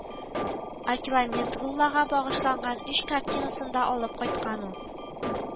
Акилометруллага багышланган өч картинасын да алып кайткан ул